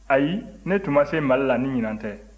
ayi ne tun ma se mali la ni ɲinan tɛ